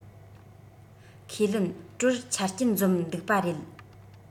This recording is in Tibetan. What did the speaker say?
ཁས ལེན དྲོར ཆ རྐྱེན འཛོམས འདུག པ རེད